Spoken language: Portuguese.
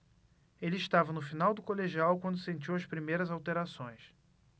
ele estava no final do colegial quando sentiu as primeiras alterações